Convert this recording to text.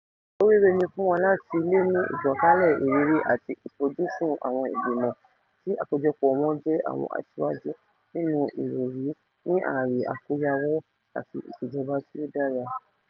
Oríire ni fún wa láti le ní ìgbọ́kànlé ìrírí àti ìfojúsùn àwọn ìgbìmọ̀ tí àkójọpọ̀ wọn jẹ àwọn asíwájú nínú ìròrí ní ààyè àkóyawọ́ àti ìṣèjọba tí ó dára.